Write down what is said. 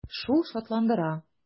Шул шатландыра.